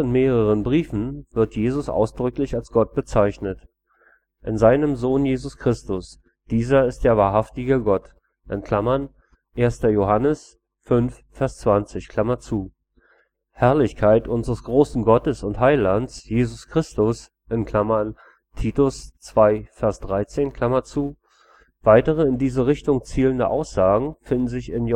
mehreren Briefen wird Jesus ausdrücklich als Gott bezeichnet: „… in seinem Sohn Jesus Christus. Dieser ist der wahrhaftige Gott … “(1 Joh 5,20); „… Herrlichkeit unseres großen Gottes und Heilandes Jesus Christus “(Tit 2,13). Weitere in diese Richtung zielende Aussagen finden sich in